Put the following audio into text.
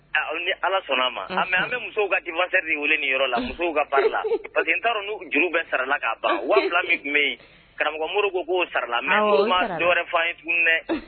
Ni ala sɔnna a ma an bɛ musow ka di mansa de wele nin yɔrɔ la musow ka la parce que n taara n'u juru bɛ sarala kaa ban wa min tun bɛ yen karamɔgɔ mori ko koo sara la mɛ ko maa dɔw fɔ ye tuguni dɛ